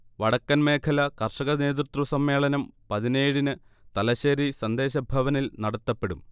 വടക്കൻ മേഖല കർഷക നേതൃത്വസമ്മേളനം പതിനേഴിന് തലശ്ശേരി സന്ദേശഭവനിൽ നടത്തപ്പെടും